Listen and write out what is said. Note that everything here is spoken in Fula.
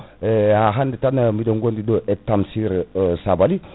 ey ha hande tan biɗen gondi ɗo e Tamsir Sabaly